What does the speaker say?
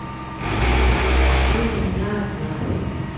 ты у меня одна